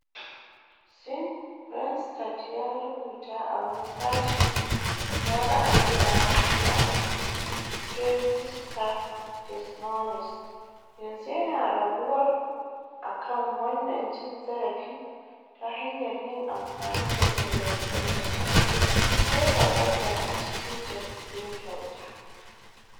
Sin, Branstad ya rubuta a wani sashi na ra'ayi a ranar Lahadi cikin Ragista Des Moines, "yanzu yana raguwar a kan wannan cin zarafi ta hanyar yin amfani da tallace-tallacen farfaganda a cikin jaridun kyauta."